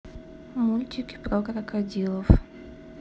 мультики про крокодилов